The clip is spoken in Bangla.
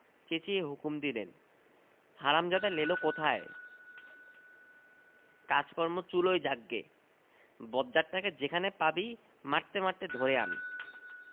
চেঁচিয়ে হুকুম দিলেন হারামজাদা লেলো কোথায় কাজকর্ম চুলোয় যাক গে বজ্জাতটাকে যেখানে পাবি মারতে মারতে ধরে আন্